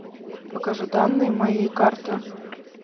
покажи данные моей карты